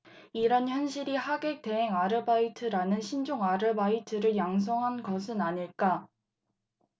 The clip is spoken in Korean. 이런 현실이 하객 대행 아르바이트라는 신종 아르바이트를 양성한 것은 아닐까